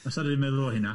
Fasa dwi'n meddwl o hynna.